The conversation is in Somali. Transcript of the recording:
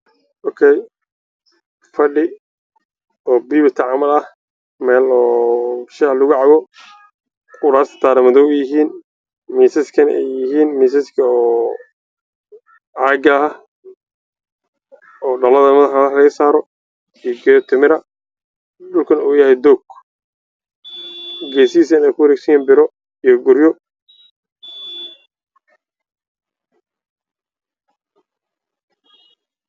Meeshaan waxaa ka fadhi shaah lagu cabo